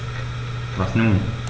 Was nun?